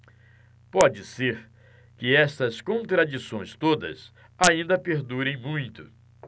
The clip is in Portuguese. pode ser que estas contradições todas ainda perdurem muito